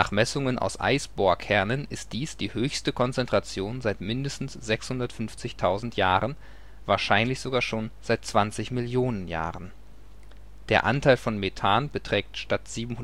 Messungen aus Eisbohrkernen ist dies die höchste Konzentration seit mindestens 650.000 Jahren, wahrscheinlich sogar schon seit 20 Millionen Jahren. Der Anteil von Methan beträgt statt 730